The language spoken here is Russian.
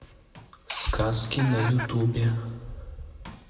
сказки на ютубе